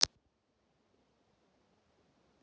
ядовитые черви в океанах